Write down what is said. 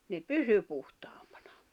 ne pysyi puhtaampina